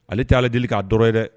Ale t tɛ ala deli k'a dɔn ye dɛ